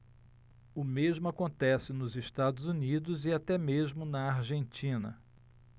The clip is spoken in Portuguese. o mesmo acontece nos estados unidos e até mesmo na argentina